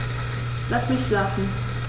Lass mich schlafen